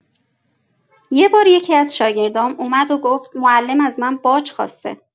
یه بار یکی‌از شاگردام اومد و گفت معلم از من باج خواسته!